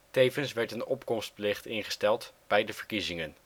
Tevens werd een opkomstplicht ingesteld bij de verkiezingen